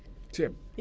ceeb